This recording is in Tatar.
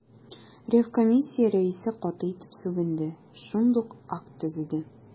Ревкомиссия рәисе каты итеп сүгенде, шундук акт төзеде.